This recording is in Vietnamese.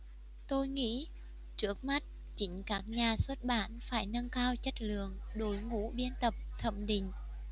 tôi nghĩ trước mắt chính các nhà xuất bản phải nâng cao chất lượng đội ngũ biên tập thẩm định